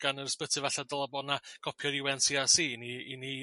gan yr ysbyty 'falla' dyl'a bo' 'na copi o'r yr iw en si ar si